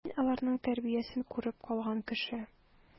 Мин аларның тәрбиясен күреп калган кеше.